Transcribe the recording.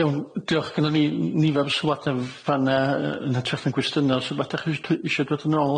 Iawn, diolch. Gynno fi n- nifer sylwade'n fan'ne. Yy yn hytrach na'i gwestiynu o, os wbath 'da chi t- isio dod yn ôl?